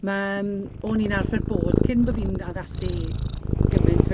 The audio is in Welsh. Ma' yym o'n i'n arfer bod cyn bo' fi'n addasu gyment